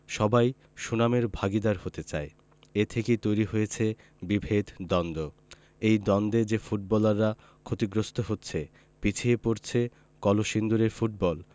সবাই সুনামের ভাগীদার হতে চায় এ থেকেই তৈরি হয়েছে বিভেদ দ্বন্দ্ব এই দ্বন্দ্বে যে ফুটবলাররা ক্ষতিগ্রস্ত হচ্ছে পিছিয়ে পড়ছে কলসিন্দুরের ফুটবল